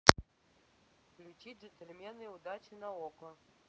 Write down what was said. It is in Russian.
включи джентльмены удачи на окко